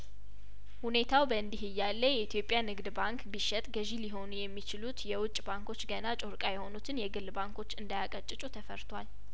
ሁኔታው በእንዲህ እያለ የኢትዮጵያ ንግድ ባንክ ቢሸጥ ገዢ ሊሆኑ የሚችሉት የውጭ ባንኮች ገና ጮርቃ የሆኑትን የግል ባንኮች እንዳያቀጭጩ ተፈርቷል